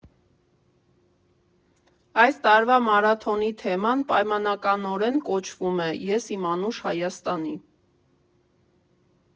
Այս տարվա մարաթոնի թեման պայմանականորեն կոչվում է «Ես իմ անուշ Հայաստանի…